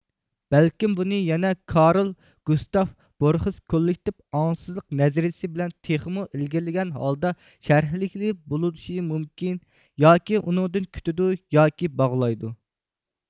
بەلكىم بۇنى يەنە كارل گۇستاف بورخېس كوللېكتىپ ئاڭسىزلىق نەزەرىيىسى بىلەن تېخىمۇ ئىلگىرىلىگەن ھالدا شەرھلىگىلى بولۇشى مۇمكىن ياكى ئۇنىڭدىن كۈتىدۇ ياكى باغلايدۇ